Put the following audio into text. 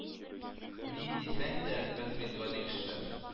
Ни дисәң дә, без бит гади кешеләр